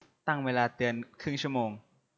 ตั้งเวลาเตือนครึ่งชั่วโมง